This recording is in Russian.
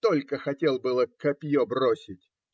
Только хотел было копье бросить